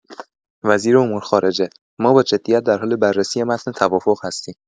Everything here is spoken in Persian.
وزیر امور خارجه: ما با جدیت در حال بررسی متن توافق هستیم.